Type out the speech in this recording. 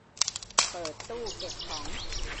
เปิดตู้เก็บของ